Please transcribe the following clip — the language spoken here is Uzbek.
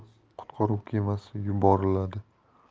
qutqaruv kemasi yuboriladi